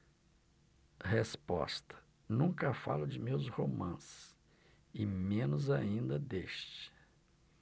resposta nunca falo de meus romances e menos ainda deste